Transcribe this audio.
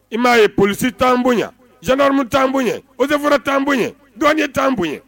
I m'a ye psi taa boyan zankarmu taaan boyan ose fɔlɔ taa boyan dɔn ye taa bo